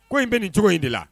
Ko in bɛ nin cogo in de la